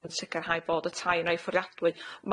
yn sicirhau bod y tai'n rei ffwriadwy.